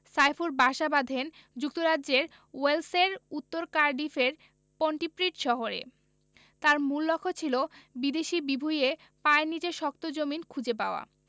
সাইফুল বাসা বাঁধেন যুক্তরাজ্যের ওয়েলসের উত্তর কার্ডিফের পন্টিপ্রিড শহরে তাঁর মূল লক্ষ্য ছিল বিদেশ বিভুঁইয়ে পায়ের নিচে শক্ত জমিন খুঁজে পাওয়া